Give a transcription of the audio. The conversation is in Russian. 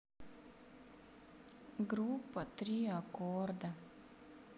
группа три аккорда